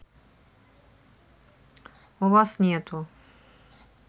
у вас нету